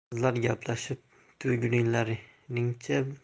sizlar gaplashib turgunlaringcha